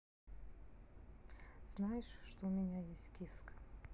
знаешь что у меня есть киска